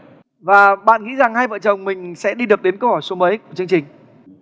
và bạn nghĩ rằng hai vợ chồng mình sẽ đi được đến câu hỏi số mấy của chương trình